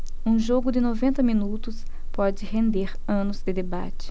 um jogo de noventa minutos pode render anos de debate